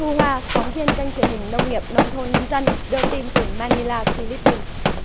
thu hoa phóng viên kênh truyền hình nông nghiệp nông thôn nông dân đưa tin từ ma ni la phi líp pin